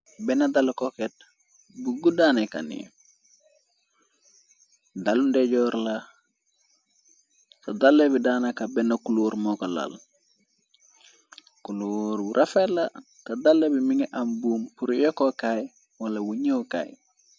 Benn dala koket bu guddaane kani, dalu ndejoor la, ca dalla bi daanaka benn kuloor mokalal, kuloor bu rafela, ta dala bi mi nga am buum pur yokkokaay, wala bu ñeewkaay.